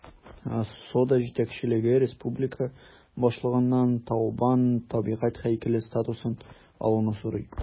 Сода җитәкчелеге республика башлыгыннан таудан табигать һәйкәле статусын алуны сорый.